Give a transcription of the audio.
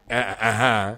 Ɛɛ